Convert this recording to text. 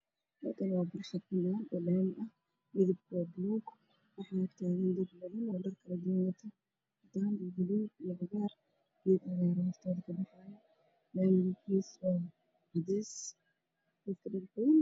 Halkaan waxaa ka muuqdo laami ay labada geesood ay taagan yihiin dumar iyo rag